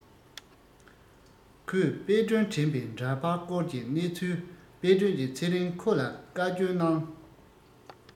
ཁོས དཔལ སྒྲོན དྲན པའི འདྲ པར བསྐོར གྱི གནས ཚུལ དཔལ སྒྲོན གྱི ཚེ རིང ཁོ ལ བཀའ བསྐྱོན བཏང